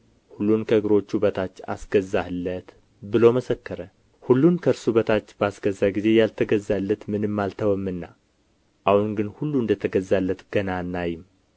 ሁሉን ከእግሮቹ በታች አስገዛህለት ብሎ መሰከረ ሁሉን ከእርሱ በታች ባስገዛ ጊዜ ያልተገዛለት ምንም አልተወምና አሁን ግን ሁሉ እንደ ተገዛለት ገና አናይም